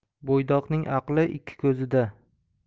bo'ydoqning aqh ikki ko'zida